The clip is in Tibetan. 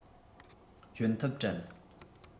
གྱོན ཐབས བྲལ